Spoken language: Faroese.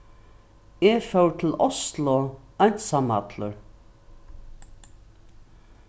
eg fór til oslo einsamallur